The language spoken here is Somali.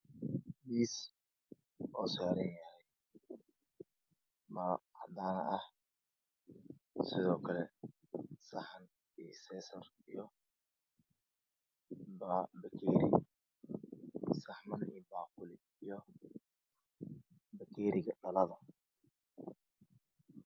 Miis oo saaran yahay maro cadaan ah sidoo kale saxan iyo seesar iyo bakeeri salaman iyo baaquli iyo bakeeriga dhalada